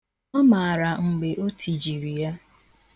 Ọ mara mgbe o tijiri ya.